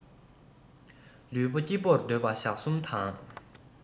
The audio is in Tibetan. ལུས པོ སྐྱིད པོར སྡོད པ ཞག གསུམ དང